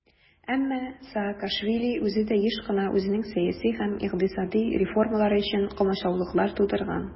Әмма Саакашвили үзе дә еш кына үзенең сәяси һәм икътисади реформалары өчен комачаулыклар тудырган.